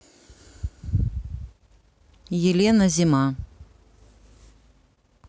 елена зима